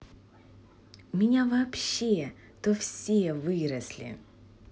у меня вообще то все выросли